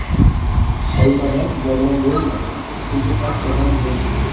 olmadan bodom bo'lmas tegi past odam bo'lmas